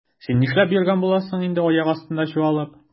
Син нишләп йөргән буласың инде аяк астында чуалып?